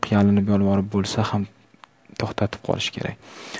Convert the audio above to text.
yalinib yolvorib bo'lsa ham to'xtatib qolish kerak